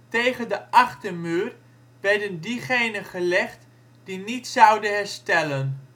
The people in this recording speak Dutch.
Tegen de achtermuur werden diegenen gelegd, die niet zouden herstellen